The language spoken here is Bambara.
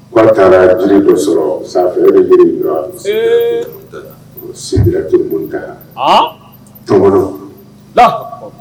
Ko a taara jiri dɔ sɔrɔ sanfɛ e be jiri in dɔn aa sideretul muntana sideretul muntana tɔnkɔnɔ Lahu akubaru